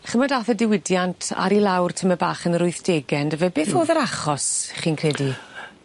Chi'mod ath y diwydiant ar 'i lawr tyme' bach yn yr wythdege on'd yfe? Beth o'dd yr achos chi'n credu?